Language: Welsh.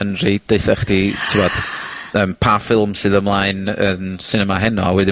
...yn rhoid, daetha chdi, t'mod, yym, pa ffilm sydd ymlaen yn sinema heno, a wedyn